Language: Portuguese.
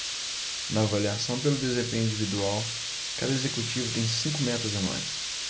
na avaliação pelo desempenho individual cada executivo tem cinco metas anuais